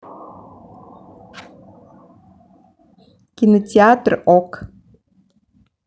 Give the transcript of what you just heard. кинотеатр ок